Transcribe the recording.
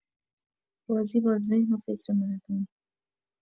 بازی با ذهن و فکر مردم